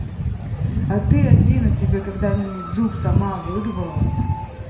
а ты афина тебе когда нибудь зуб сама вырвала